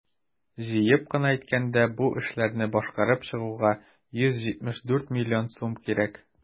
Җыеп кына әйткәндә, бу эшләрне башкарып чыгуга 174 млн сум кирәк.